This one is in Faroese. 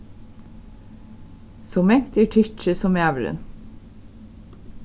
so mangt er tykki sum maðurin